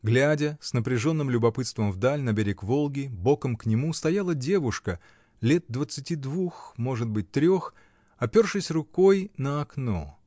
Глядя с напряженным любопытством вдаль, на берег Волги, боком к нему стояла девушка лет двадцати двух, может быть трех, опершись рукой на окно.